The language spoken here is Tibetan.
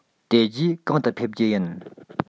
དེ རྗེས གང དུ ཕེབས རྒྱུ ཡིན